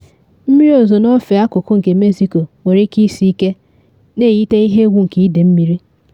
Mmiri ozizo n’ofe akụkụ nke Mexico nwere ike isi ike, na eyite ihe egwu nke ide mmiri.